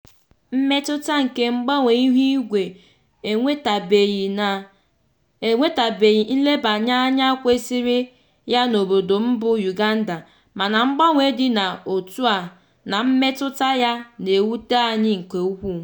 Mmetụta nke mgbanwe ihuigwe enwetabeghị nlebanyeanya kwesịrị ya n'obodo m bụ Uganda mana mgbanwe dị otú a na mmetụta ya na-ewute anyị nke ukwuu.